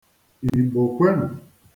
Igbo, kwenụ!